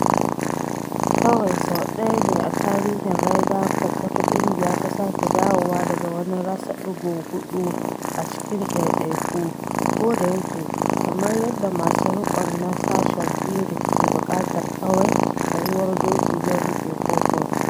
Kawai sau ɗaya ne a tarihin Ryder Cup wata ƙungiya ta sake dawowa daga wani rasa ɗigo huɗu a cikin ɗaiɗaiku, kodayake kamar yadda masu riƙon na sashen Furyk ke buƙatar kawai tsayuwar doki don riƙe kofin.